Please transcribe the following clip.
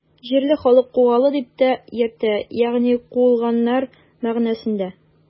Җирле халык Кугалы дип тә йөртә, ягъни “куылганнар” мәгънәсендә.